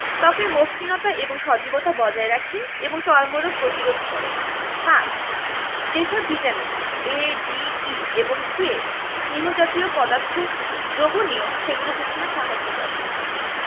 ত্বকের মসৃণতা এবং সজীবতা বজায় রাখে এবং চর্মরোগ প্রতিরোধ করে ৫. যে সব ভিটামিন A D E এবং K স্নেহ জাতীয় পদার্থ দ্রবণীয় সেগুলো শোষণে সাহায্য করে